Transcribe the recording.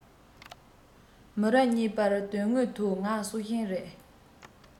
མི རབས གཉིས པར དོན དངོས ཐོག ང སྲོག ཤིང རེད